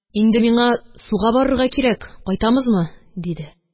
– инде миңа суга барырга кирәк, кайтамызмы? – диде...